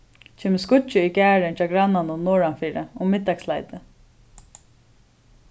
kemur skuggi í garðin hjá grannanum norðanfyri um middagsleiti